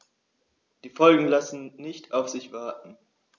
Die Folgen lassen nicht auf sich warten.